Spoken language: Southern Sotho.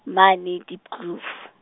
mane Diepkloof.